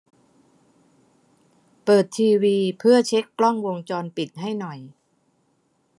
เปิดทีวีเพื่อเช็คกล้องวงจรปิดให้หน่อย